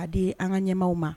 A di an ka ɲɛmaw ma.